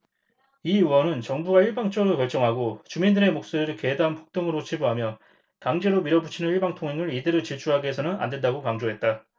이 의원은 정부가 일방적으로 결정하고 주민들의 목소리를 괴담 폭동으로 치부하며 강제로 밀어붙이는 일방통행을 이대로 질주하게 해서는 안 된다고 강조했다